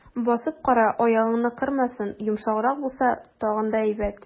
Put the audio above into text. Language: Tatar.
Басып кара, аягыңны кырмасын, йомшаграк булса, тагын да әйбәт.